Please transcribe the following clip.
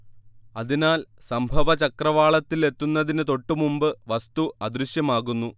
അതിനാൽ സംഭവചക്രവാളത്തിലെത്തുന്നതിന് തൊട്ടുമുമ്പ് വസ്തു അദൃശ്യമാകുന്നു